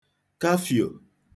kafiò